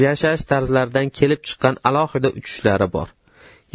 yashash tarzlaridan kelib chiqqan alohida uchishlar bor